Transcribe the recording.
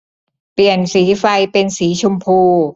เปลี่ยนสีไฟเป็นสีชมพู